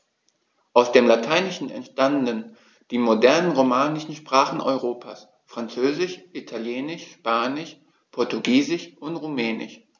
Aus dem Lateinischen entstanden die modernen „romanischen“ Sprachen Europas: Französisch, Italienisch, Spanisch, Portugiesisch und Rumänisch.